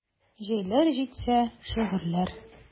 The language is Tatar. Җәйләр җитсә: шигырьләр.